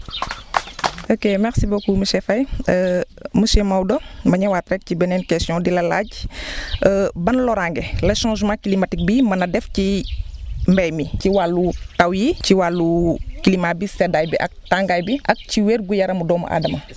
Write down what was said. ok merci beaucoup monsieur Faye monsieur Maodo ma ñëwaat rek ci beneen question di la laaj ban loraange la changement climatique bi mën a def ci mbéy mi ci wàllu taw yi ci wàllu climat bi seddaay bi ak tàngaay bi ak ci wér-gu-yaramu doomu aadama